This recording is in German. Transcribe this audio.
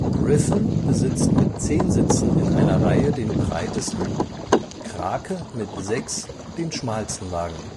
Griffon besitzt mit zehn Sitzen in einer Reihe den breitesten, Krake mit sechs den schmalsten Wagen